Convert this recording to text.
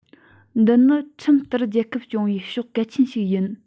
འདི ནི ཁྲིམས ལྟར རྒྱལ ཁབ སྐྱོང བའི ཕྱོགས གལ ཆེན ཞིག ཡིན